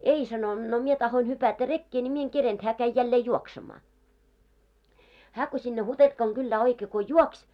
ei sanoi no minä tahdoin hypätä rekeen niin minä en kerinnyt hän kävi jälleen juoksemaan hän kun sinne Hutentkan kylään oikein kun juoksi